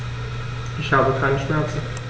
Ich habe keine Schmerzen.